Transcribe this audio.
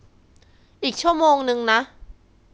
อีกชั่วโมงนึงนะ